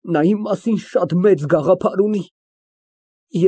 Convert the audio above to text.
Նա իմ մասին շատ մեծ գաղափար ունի։